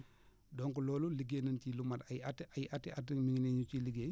donc loolu liggéey nañ ci lu mat ay at ak ay at i at ñu ngi nii ñu ciy liggéey